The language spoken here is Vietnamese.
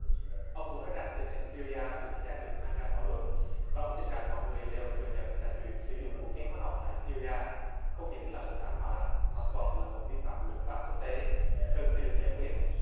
ông cũng nói rằng tình hình xi ri a cũng đang được mang ra thảo luận và ông tin rằng mọi người đều thừa nhận là chuyện sử dụng vũ khí hóa học tại si ri a không những là một thảm họa mà còn là một vi phạm luật pháp quốc tế cần phải được giải quyết